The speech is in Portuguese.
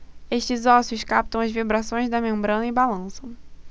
estes ossos captam as vibrações da membrana e balançam